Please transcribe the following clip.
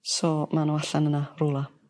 So ma' n'w allan yna rhwla.